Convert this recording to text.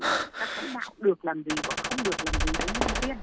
các lãnh đạo được làm gì và không được làm gì với nhân viên